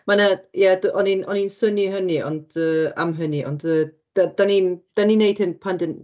ma' 'na... ia d- o'n i'n o' i'n synnu hynny ond yy... am hynny ond yy da- dan ni'n wneud hyn pan dan...